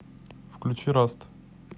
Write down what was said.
включи раст